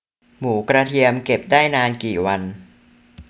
หมูกระเทียมเก็บได้นานกี่วัน